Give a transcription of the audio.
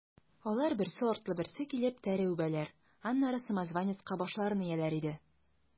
Алар, берсе артлы берсе килеп, тәре үбәләр, аннары самозванецка башларын ияләр иде.